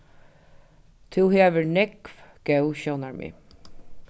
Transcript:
tú hevur nógv góð sjónarmið